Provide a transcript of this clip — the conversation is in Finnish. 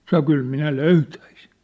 sanoi kyllä minä löytäisin